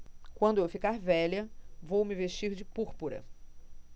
quando eu ficar velha vou me vestir de púrpura